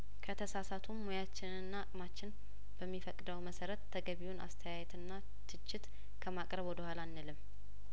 ከተሳሳቱም ሙያችንና አቅማችን በሚፈቅደው መሰረት ተገቢውን አስተያየትና ትችት ከማቅረብ ወደ ኋላ አንልም